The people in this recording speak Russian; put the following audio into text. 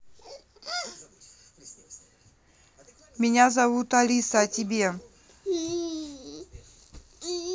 меня зовут алиса а тебе